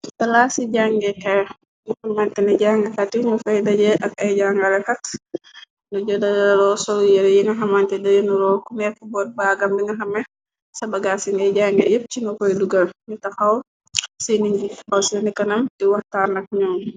Palaas ci jange xe bu xamante ni jang kati mu fay daje ak ay jangale fax nu jëdaloo solu yëre y nga xamante dayunu roo ku neku bot baagam di nga xame sabagaas yi ngay jange yépp cina koy dugal nite xaw seeni ngi xaw seni kanam di waxtaarnak ñyoom.